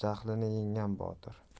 jahlni yenggan botir